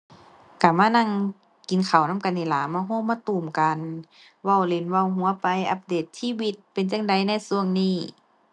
ก็มานั่งกินข้าวนำกันนี่ล่ะ มาโฮมมาตุ้มกัน เว้าเล่นเว้าหัวไป อัปเดตชีวิตเป็นจั่งใดแหน่ก็นี้